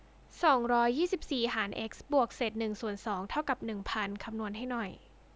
สองร้อยยี่สิบสี่หารเอ็กซ์บวกเศษหนึ่งส่วนสองเท่ากับหนึ่งพันคำนวณให้หน่อย